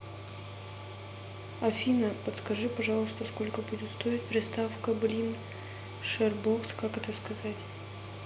афина подскажи пожалуйста сколько будет стоить приставка блин sberbox как это сказать